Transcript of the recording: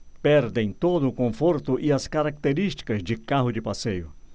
perdem todo o conforto e as características de carro de passeio